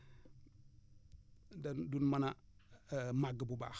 dan duñ mën a màgg bu baax